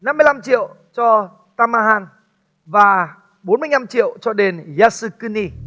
năm mươi lăm triệu cho ta ma han và bốn mươi lăm triệu cho đền da sư cư ni